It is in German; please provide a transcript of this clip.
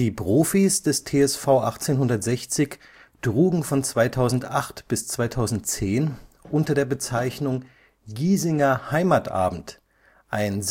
Profis des TSV 1860 trugen von 2008 bis 2010 unter der Bezeichnung „ Giesinger Heimatabend “ein